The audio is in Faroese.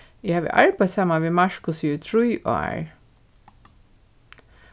eg havi arbeitt saman við markusi í trý ár